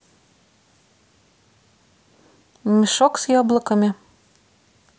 мешок с яблоками